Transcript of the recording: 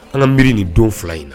An ka miiri nin don fila in na